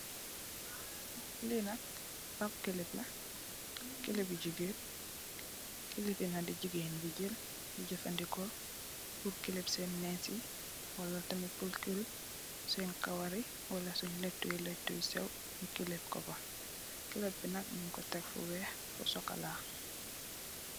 Li nak ab kilip la, kilip bi jigeen. Kilip bi di jigeen yi di jël di jefandikoo pur kilip seen mess yi wala tamid kilip seen kawar yi wala sunye lettu lettu yu sew kilip kofa. Kilip bi nak nyung ko tek fu sokola ak fu weex.